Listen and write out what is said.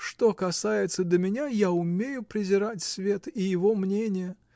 Что касается до меня, я умею презирать свет и его мнения.